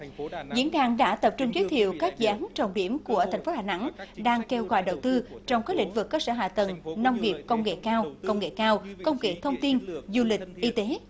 diễn đàn đã tập trung giới thiệu các dự án trọng điểm của thành phố đà nẵng đang kêu gọi đầu tư trong các lĩnh vực cơ sở hạ tầng nông nghiệp công nghệ cao công nghệ cao công nghệ thông tin du lịch y tế